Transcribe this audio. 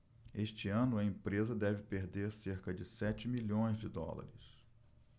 este ano a empresa deve perder cerca de sete milhões de dólares